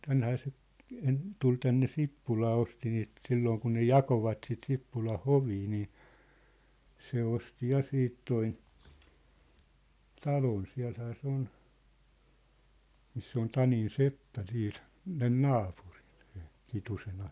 tännehän se - tuli tänne Sippulaan osti niitä silloin kun ne jakoivat sitten Sippulan hovia niin se osti ja siitä tuon talon siellähän se on missä on Tanin seppä siinä sen naapurin se Kitusen -